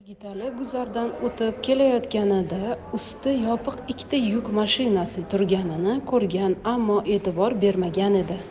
yigitali guzardan o'tib kelayotganida usti yopiq ikkita yuk mashinasi turganini ko'rgan ammo e'tibor bermagan edi